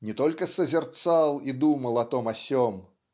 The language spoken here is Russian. не только созерцал и думал о том о сем